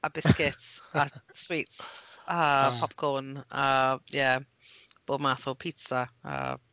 A biscuits a sweets a popcorn a, ie , bob math o pitsa, a...